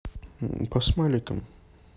по смайликам